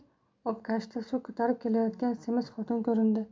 obkashda suv ko'tarib kelayotgan semiz xotin ko'rindi